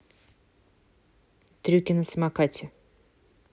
трюки на самокате